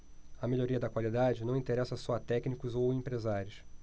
a melhoria da qualidade não interessa só a técnicos ou empresários